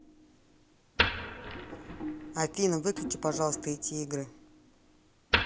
афина выключи пожалуйста эти игры